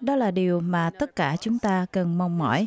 đó là điều mà tất cả chúng ta cần mong mỏi